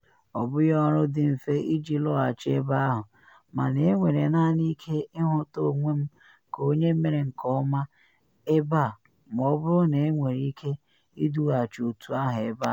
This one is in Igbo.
“Ọ bụghị ọrụ dị mfe iji laghachi ebe ahụ, mana enwere naanị ike ịhụta onwe m ka onye mere nke ọma ebe a ma ọ bụrụ na m nwere ike idughachi otu ahụ ebe ahụ.”